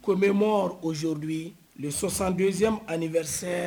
commémore aujourd'hui,62 ème anniversaires